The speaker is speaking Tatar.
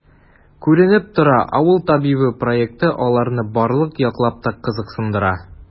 Күренеп тора,“Авыл табибы” проекты аларны барлык яклап та кызыксындыра.